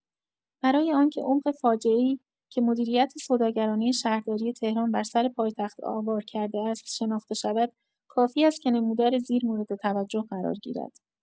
برای آن‌که عمق فاجعه‌ای که مدیریت سوداگرانه شهرداری تهران بر سر پایتخت آوار کرده است شناخته شود، کافی است که نمودار زیر مورد توجه قرار گیرد.